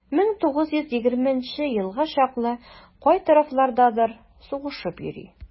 1920 елга чаклы кай тарафлардадыр сугышып йөри.